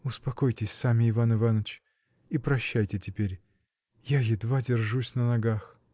— Успокойтесь сами, Иван Иваныч, — и прощайте теперь. Я едва держусь на ногах.